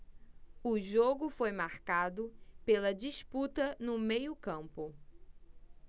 o jogo foi marcado pela disputa no meio campo